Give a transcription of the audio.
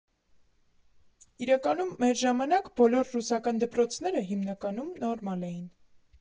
Իրականում՝ մեր ժամանակ, բոլոր ռուսական դպրոցները, հիմնականում, նորմալ էին։